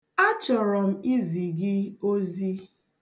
Achọrọ m izi gị ozi.